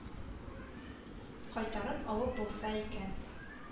Кайтарып алып булса икән